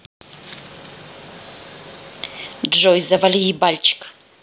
джой завали ебальник